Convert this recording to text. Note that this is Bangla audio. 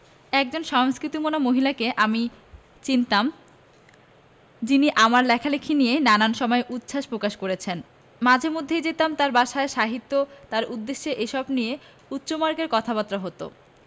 একজন সংস্কৃতি মনা মহিলাকে আমি চিনতাম যিনি আমার লেখালেখি নিয়ে নানান সময় উচ্ছাস প্রকাশ করছেন মাঝে মধ্যেই যেতাম তার বাসায় সাহিত্য তার উদ্দেশ্য এইসব নিয়ে উচ্চমার্গের কথাবার্তা হত